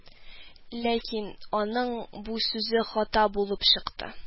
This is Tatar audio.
Ләкин аның бу сүзе хата булып чыкты